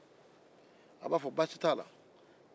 a b'a fɔ baasi t'a la